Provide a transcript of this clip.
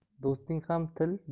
do'sting ham til